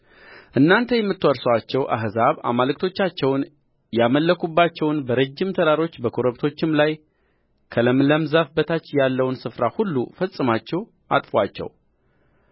እናንተ የምትወርሱአቸው አሕዛብ አማልክቶቻቸውን ያመለኩባቸውን በረጅም ተራሮች በኮረብቶችም ላይ ከለምለምም ዛፍ በታች ያለውን ስፍራ ሁሉ ፈጽማችሁ አጥፉአቸው